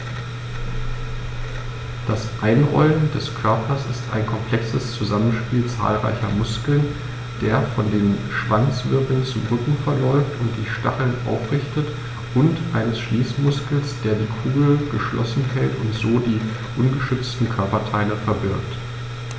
Das Einrollen des Körpers ist ein komplexes Zusammenspiel zahlreicher Muskeln, der von den Schwanzwirbeln zum Rücken verläuft und die Stacheln aufrichtet, und eines Schließmuskels, der die Kugel geschlossen hält und so die ungeschützten Körperteile verbirgt.